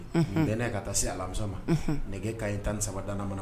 Bɛn ka taa se alami ma nɛgɛge ka ɲi tan ni saba da